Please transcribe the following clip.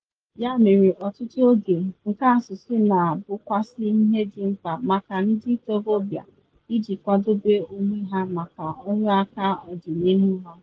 Ya mere ọtụtụ oge, nka asụsụ na abụkwazị ihe dị mkpa maka ndị ntorobịa iji kwadobe onwe ha maka ọrụaka ọdịnihu ha.